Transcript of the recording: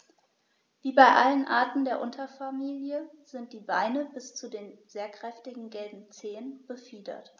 Wie bei allen Arten der Unterfamilie sind die Beine bis zu den sehr kräftigen gelben Zehen befiedert.